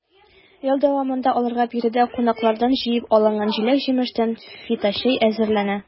Ел дәвамында аларга биредәге куаклардан җыеп алынган җиләк-җимештән фиточәй әзерләнә.